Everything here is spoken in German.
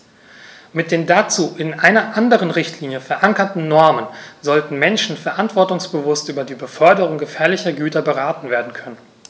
Mit den dazu in einer anderen Richtlinie, verankerten Normen sollten Menschen verantwortungsbewusst über die Beförderung gefährlicher Güter beraten werden können.